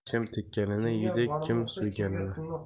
kim tekkanini yeydi kim suyganini